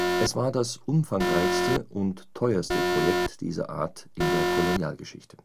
Es war das umfangreichste und teuerste Projekt dieser Art in der Kolonialgeschichte